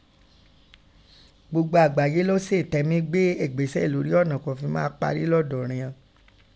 Gbogbo àgbáyé lọ́ sèè tẹ mí gbe ègbesẹ lórí ọ̀nà kọ́ fi máa parí lọdọ rian.